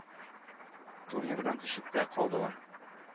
Турнирдан төшеп тә калдылар.